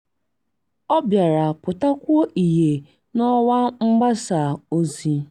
“Ọ bịara pụtakwuo ìhè n'ọwa mgbasa ozi.